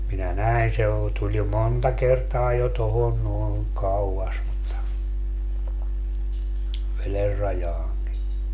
minä näin se - tuli jo monta kertaa jo tuohon noin kauas mutta veden rajaankin